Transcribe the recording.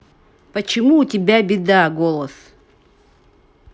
почему у тебя беда голос